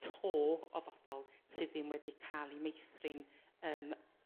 to o fobol sydd ddim wedi ca'l 'u meithrin yrm